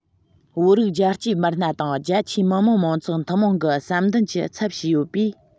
བོད རིགས རྒྱལ གཅེས མི སྣ དང རྒྱ ཆེའི མི དམངས མང ཚོགས ཐུན མོང གི བསམ འདུན གྱི ཚབ བྱས ཡོད པས